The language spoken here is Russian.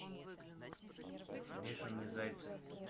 бешеные зайцы